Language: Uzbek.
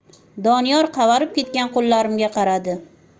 doniyor qavarib ketgan qo'llarimga qaradi